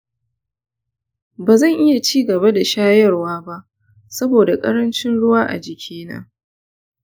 bazan iya cigaba da shayarwa ba saboda karancin ruwa a jiki na.